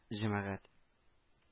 Җәмәгать